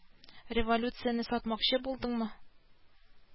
Революцияне сатмакчы булдыңмы